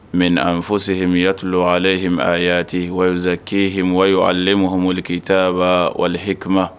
Mɛ an bɛ fɔ seyiyatulo aleti wasa k' h ale muhamudu k'i taba walihik